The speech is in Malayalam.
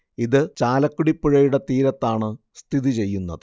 ഇത് ചാലക്കുടി പുഴയുടെ തീരത്താണ് സ്ഥിതിചെയ്യുന്നത്